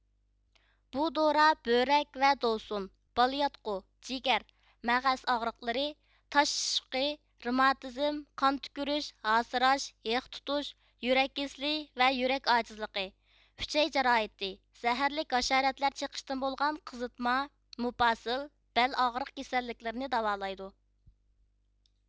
بۇ دورا بۆرەك ۋە دوۋسۇن بالىياتقۇ جىگەر مەغەس ئاغرىقلىرى تال ئىششۇقى رىماتىزىم قان تۈكۈرۈش ھاسىراش ھېق تۇتۇش يۈرەك كېسىلى ۋە يۈرەك ئاجىزلىقى ئۈچەي جاراھىتى زەھەرلىك ھاشارەتلەر چىقىشتىن بولغان قىزىتما مۇپاسىل بەل ئاغرىق كېسەللىكلىرىنى داۋالايدۇ